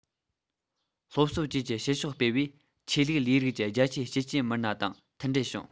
སློབ གསོ བཅས ཀྱི བྱེད ཕྱོགས སྤེལ བས ཆོས ལུགས ལས རིགས ཀྱི རྒྱ ཆེའི རྒྱལ གཅེས མི སྣ དང མཐུན སྒྲིལ བྱུང